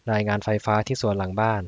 รายงานไฟฟ้าที่สวนหลังบ้าน